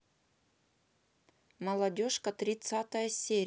молодежка тридцатая серия